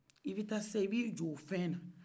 i bɛ taa sisan i b'i jɔ o fɛn na